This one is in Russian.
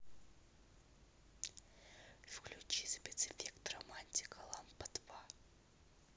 включи спецэффект романтика лампа два